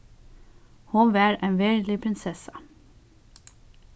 hon var ein verulig prinsessa